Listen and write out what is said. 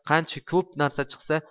qancha ko'p narsa chiqsa